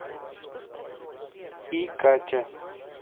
и катя